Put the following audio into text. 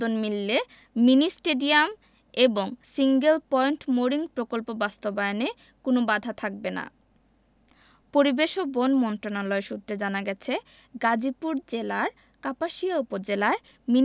অনুমোদন মিললে mini stadium এবং সিঙ্গেল পয়েন্ট মোরিং প্রকল্প বাস্তবায়নে কোনো বাধা থাকবে না পরিবেশ ও বন মন্ত্রণালয় সূত্রে জানা গেছে গাজীপুর জেলার